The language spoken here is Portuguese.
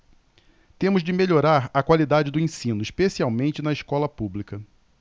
temos de melhorar a qualidade do ensino especialmente na escola pública